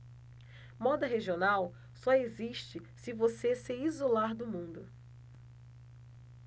moda regional só existe se você se isolar do mundo